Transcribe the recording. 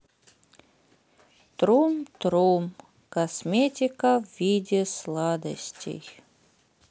трум трум косметика в виде сладостей